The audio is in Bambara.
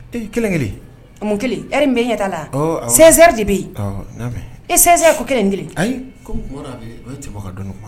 Kelen kelen kelenri bɛ ɲɛta la sinri de bɛ e sinya ko kelen kelen ayi